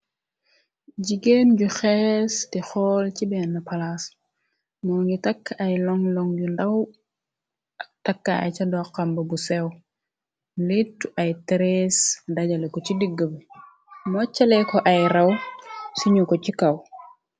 jigéen ju xees ti xool ci benn palaas moo ngi takk ay loŋ loŋ yu ndaw ak takkaay ca doxamb bu sew lëttu ay trées dajale ko ci diggabe moccale ko ay raw sinu ko ci kaw